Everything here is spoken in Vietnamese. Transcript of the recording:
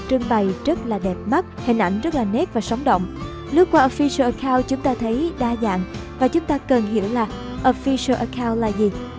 được trưng bày rất đẹp mắt hình ảnh nét và sống động lướt qua official account chúng ta thấy rất đa dạng và chúng ta cần hiểu là official account là gì